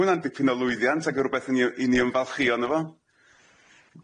Ma' hwnna'n dipyn o lwyddiant ag yn rwbethi ni i ni ymfalchio yno fo.